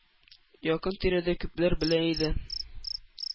Якын-тирәдә күпләр белә иде.